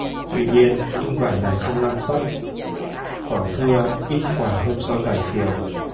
tuy nhiên nhưng vải này không năng suất quả thưa ít quả hơn so với vải thiều